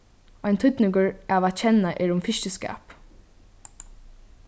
ein týdningur av at kenna er um fiskiskap